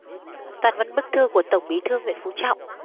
toàn văn bức thư của tổng bí thư nguyễn phú trọng